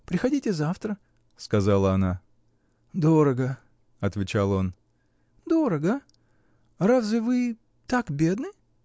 Приходите завтра, — сказала она. — Дорого! — отвечал он. — Дорого! Разве вы. так бедны?